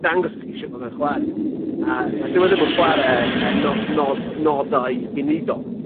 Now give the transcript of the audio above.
dangos i chi shwt ma' fe'n chwar'e a... Ie ie. ...dyw e ddim yn chwar'e yy no- nod- nodau unigol.